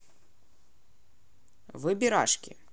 выбирашки